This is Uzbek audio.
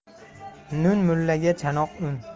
nun mullaga chanoq un